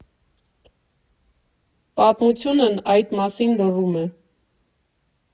Պատմությունն այդ մասին լռում է։